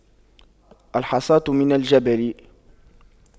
الحصاة من الجبل